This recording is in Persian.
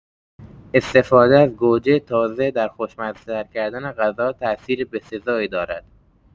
استفاده از گوجه تازه در خوشمزه‌تر کردن غذا تاثیر بسزایی دارد.